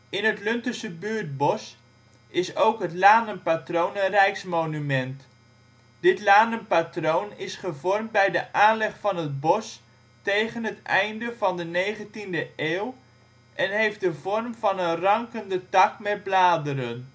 In Het Luntersche Buurtbosch is ook het lanenpatroon een rijksmonument. Dit lanenpatroon is gevormd bij de aanleg van het bos tegen het einde van de 19e eeuw en heeft de vorm van een rankende tak met bladeren